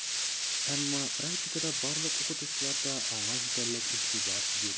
Әмма практикада барлык укытучылар да аңа җитәрлек игътибар бирми: